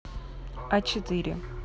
а четыре